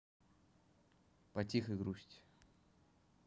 по тихой грусти